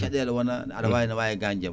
caɗele wona aɗa wawi wawi ganñdemo